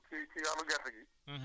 jërëjëf alhamdulilah Sow